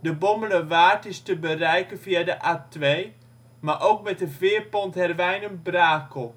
De Bommelerwaard is te bereiken via de A2, maar ook met de veerpont Herwijnen-Brakel